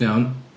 Iawn.